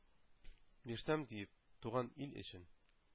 Бирсәм, диеп, туган ил өчен».